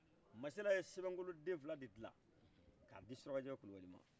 masila ye sɛbɛn ŋolo de fila de dilan ka di surakajɛkɛ kulubali